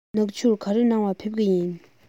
ནག ཆུར ག རེ གནང བར ཕེབས ཀ